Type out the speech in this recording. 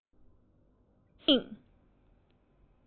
ཀུན གསལ ནམ མཁའི དབྱིངས